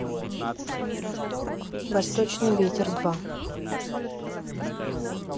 восточный ветер два